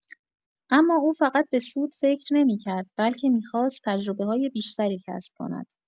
اما او فقط به سود فکر نمی‌کرد، بلکه می‌خواست تجربه‌های بیشتری کسب کند.